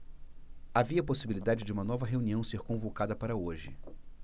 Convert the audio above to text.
havia possibilidade de uma nova reunião ser convocada para hoje